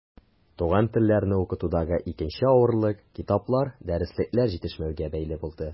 Туган телләрне укытудагы икенче авырлык китаплар, дәреслекләр җитешмәүгә бәйле булды.